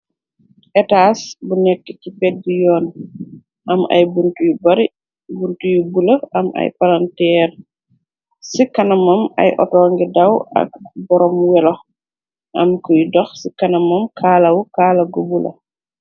etaas bu nekk ci pejdi yoon am ay bunt bor buntu yu bula am ay palanteer ci kana moom ay auto ngi daw ak boroom welo am kuy dox ci kana moom kaalawu kaalagu bula